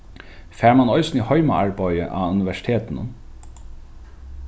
fær mann eisini heimaarbeiði á universitetinum